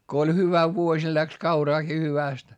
kun oli hyvä vuosi ja lähti kauraakin hyvästi